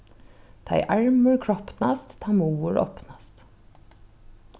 tá ið armur kropnast tá muður opnast